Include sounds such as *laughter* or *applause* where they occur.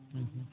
*hesitation* *hesitation*